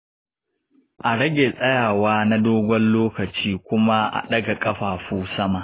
a rage tsayawa na dogon lokaci kuma a ɗaga ƙafafu sama.